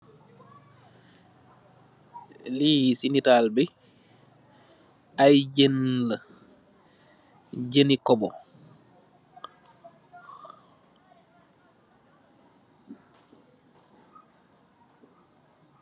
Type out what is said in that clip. Li see netaal bi ay jeen la jeeni koobo.